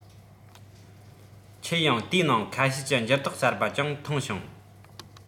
ཁྱེད ཡང དེའི ནང ཁ ཤས ཀྱི འགྱུར ལྡོག གསར པ ཀྱང མཐོང བྱུང